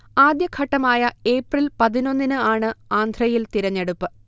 ആദ്യഘട്ടമായ April പതിനൊന്നിന് ആണ് ആന്ധ്രയിൽ തിരഞ്ഞെടുപ്പ്